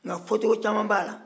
nka fɔcogo caman b'a la